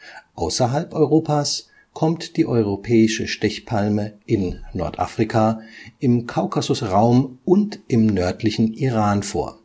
auf. Außerhalb Europas kommt Ilex aquifolium in Nordafrika, im Kaukasusraum und im nördlichen Iran vor